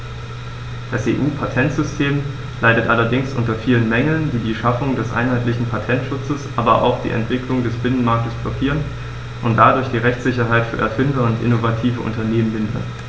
Das EU-Patentsystem leidet allerdings unter vielen Mängeln, die die Schaffung eines einheitlichen Patentschutzes, aber auch die Entwicklung des Binnenmarktes blockieren und dadurch die Rechtssicherheit für Erfinder und innovative Unternehmen mindern.